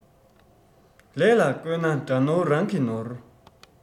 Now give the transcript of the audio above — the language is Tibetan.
ལས ལ བཀོད ན དགྲ ནོར རང གི ནོར